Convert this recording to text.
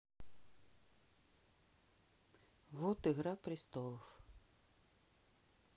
вот игра престолов